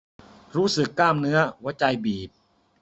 รู้สึกกล้ามเนื้อหัวใจบีบ